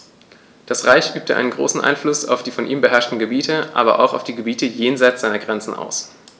Das Reich übte einen großen Einfluss auf die von ihm beherrschten Gebiete, aber auch auf die Gebiete jenseits seiner Grenzen aus.